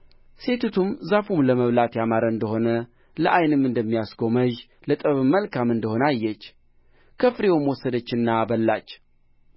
ሴቲቱም ዛፉ ለመብላት ያማረ እንደ ሆነ ለዓይንም እንደሚያስጎመጅ ለጥበብም መልካም እንደ ሆነ አየች ከፍሬውም ወሰደችና በላች